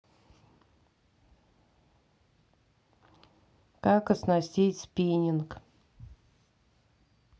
как оснастить спиннинг